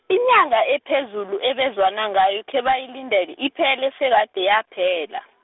inyanga ephezulu ebezwana ngayo khebayilindele, iphele, sekade yaphela.